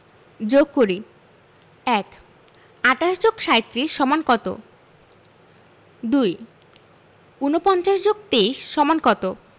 যোগ করিঃ ১ ২৮ যোগ ৩৭ সমান কত ২ ৪৯ যোগ ২৩ সমান কত